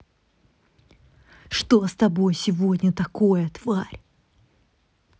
что с тобой сегодня такое тварь